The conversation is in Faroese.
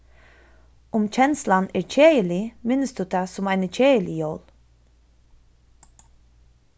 um kenslan er keðilig minnist tú tað sum eini keðilig jól